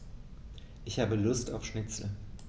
Ich habe Lust auf Schnitzel.